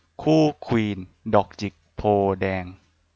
คู่ควีนดอกจิกโพธิ์แดง